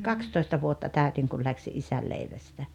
kaksitoista vuotta täytin kun lähdin isän leivästä